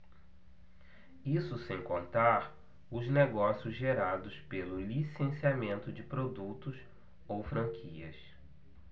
isso sem contar os negócios gerados pelo licenciamento de produtos ou franquias